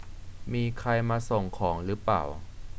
มีใครมาส่งของรึเปล่า